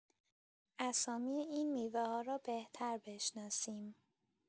اسامی این میوه‌ها را بهتر بشناسیم